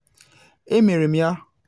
Emere m ya.